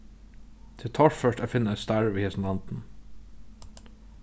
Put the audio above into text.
tað er torført at finna eitt starv í hesum landinum